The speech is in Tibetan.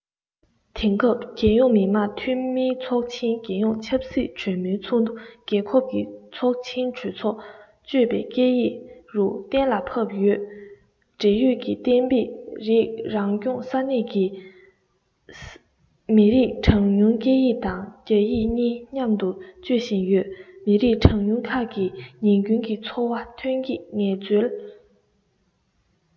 དེང སྐབས རྒྱལ ཡོངས མི དམངས འཐུས མིའི ཚོགས ཆེན རྒྱལ ཡོངས ཆབ སྲིད གྲོས མོལ ཚོགས འདུ རྒྱལ ཁབ ཀྱི ཚོགས ཆེན གྲོས ཚོགས སྤྱོད པའི སྐད ཡིག རུ གཏན ལ ཕབ ཡོད འབྲེལ ཡོད ཀྱི གཏན འབེབས རིགས རང སྐྱོང ས གནས ཀྱིས མི རིགས གྲངས ཉུང སྐད ཡིག དང རྒྱ ཡིག གཉིས མཉམ དུ སྤྱོད བཞིན ཡོད མི རིགས གྲངས ཉུང ཁག གིས ཉིན རྒྱུན གྱི འཚོ བ ཐོན སྐྱེད ངལ རྩོལ